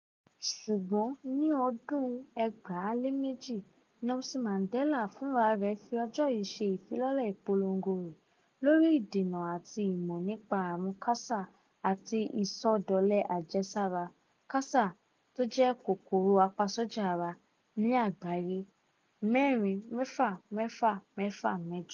Ṣùgbọ́n, ní ọdún 2002, Nelson Mandela fúnrarẹ̀ fi ọjọ́ yìí ṣe ìfilọ́lẹ̀ ìpolongo rẹ̀ lórí ìdènà àti ìmọ̀ nípa àrùn KASA àti Ìsọdọ̀lẹ Àjẹsára (KASA* Kòkòrò Apasójà Ara) ní àgbáyé, 46668.